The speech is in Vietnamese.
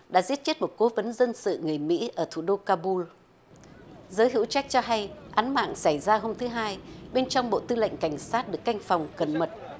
đã giết chết một cố vấn dân sự người mỹ ở thủ đô ca bun giới hữu trách cho hay án mạng xảy ra hôm thứ hai bên trong bộ tư lệnh cảnh sát được canh phòng cẩn mật